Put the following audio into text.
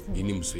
Ɲin ni muso ye